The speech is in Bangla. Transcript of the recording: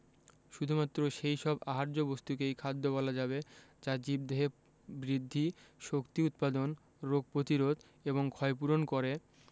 শুধুমাত্র সেই সব আহার্য বস্তুকেই খাদ্য বলা যাবে যা জীবদেহে বৃদ্ধি শক্তি উৎপাদন রোগ প্রতিরোধ এবং ক্ষয়পূরণ করে